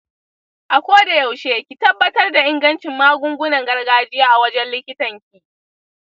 a koda yaushe ki tabbatar da ingancin magugunaan gargajiya a wajen likitanki.